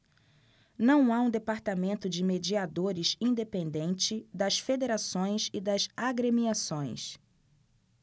não há um departamento de mediadores independente das federações e das agremiações